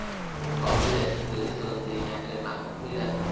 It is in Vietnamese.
bộ quy định gửi thường thì nhà trường làm đúng quy định